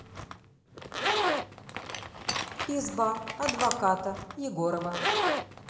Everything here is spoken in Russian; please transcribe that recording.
изба адвоката егорова